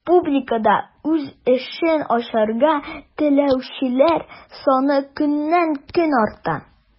Республикада үз эшен ачарга теләүчеләр саны көннән-көн арта.